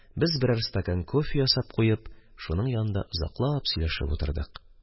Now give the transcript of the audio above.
Без, берәр стакан кофе ясап куеп, шуның янында озаклап сөйләшеп утырдык.